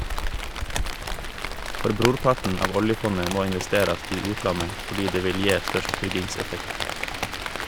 For brorparten av oljefondet må investerast i utlandet fordi det vil gje størst tryggingseffekt.